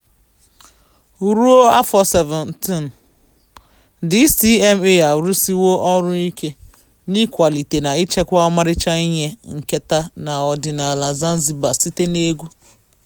Ruo afọ 17, DCMA arụsiwo ọrụ ike n'ịkwalite na ichekwa ọmarịcha ihe nketa na ọdịnaala Zanzibar site na egwu.